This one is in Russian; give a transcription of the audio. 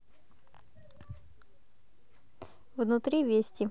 внутри вести